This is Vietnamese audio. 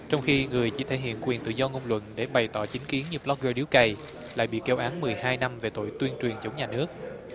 trong khi người chỉ thể hiện quyền tự do ngôn luận để bày tỏ chính kiến như bờ lốc gơ điếu cày lại bị kết án mười hai năm về tội tuyên truyền chống nhà nước